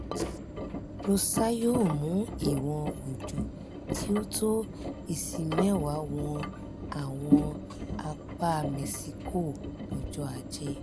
Rosa yóò mú ìwọn òjò tí ó tó íǹsì mẹ́wàá wọ àwọn apá Mẹ́ṣíkò lọ́jọ́ Ajé.